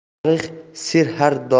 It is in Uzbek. tarix ser har